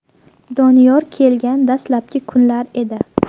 doniyor kelgan dastlabki kunlar edi